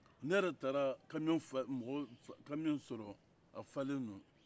ne yɛrɛ taara kamiyon fa mɔgɔw kamiyon sɔrɔ a falen don